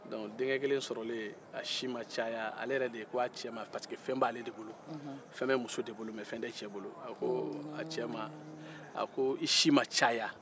donc denkɛkelen sɔrɔlen a si ma caya ale yɛrɛ de k'a cɛ ma parce que fɛn b'ale de bolo fɛn bɛ muso de bolo mɛ fɛn tɛ cɛ bolo a ko cɛ ma a ko i si ma caya